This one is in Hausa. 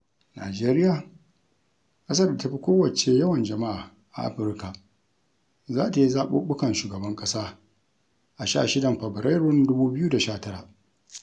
Najeriya, ƙasar da ta fi kowacce yawan jama'a a Afirka, za ta yi zaɓuɓɓukan shugaban ƙasa a 16, Fabarairun 2019.